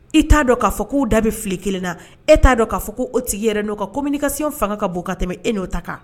I t'a dɔ k'a fɔ k'u da be file 1 na e t'a dɔ k'a fɔ ko o tigi yɛrɛ n'o ka communication faŋa ka bon ka tɛmɛ e n'o ta kan